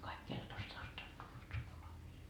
kaikki Keltosta asti oli tullut sukulaisia